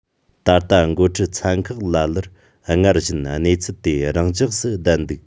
ད ལྟ འགོ ཁྲིད ཚན ཁག ལ ལར སྔར བཞིན གནས ཚུལ དེ རང འཇགས སུ བསྡད འདུག